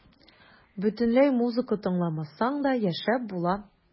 Бөтенләй музыка тыңламасаң да яшәп була.